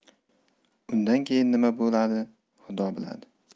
undan keyin nima bo'ladi xudo biladi